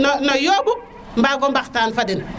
no yoɓu mbago mbax taan fa den